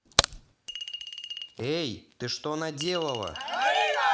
эй ты что наделала